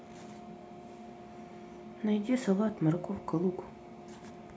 найди салат морковка лук